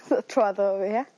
... trŵ addoli ia?